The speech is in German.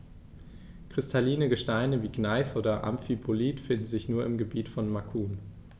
Kristalline Gesteine wie Gneis oder Amphibolit finden sich nur im Gebiet von Macun.